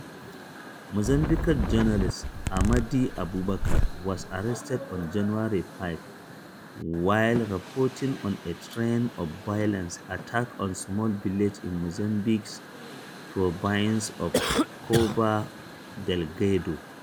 Mozambican journalist Amade Abubacar was arrested on January 5, while reporting on a trend of violent attacks on small villages in Mozambique's province of Cabo Delgado.